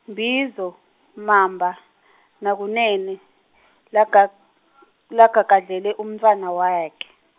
Mbizo, Mamba, naKunene lagag- lagagadlele umntfwana wakhe.